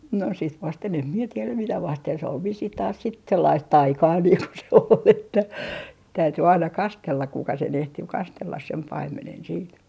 no sitä vasten en minä tiedä mitä vasten se oli vissiin taas sitten sellaista taikaa niin kuin se oli että täytyi aina kastella kuka sen ehti kastella sen paimenen sitten